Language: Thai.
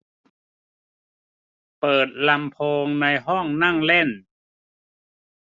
เปิดลำโพงในห้องนั่งเล่น